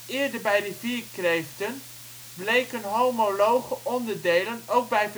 eerder bij rivierkreeften, bleken homologe onderdelen ook bij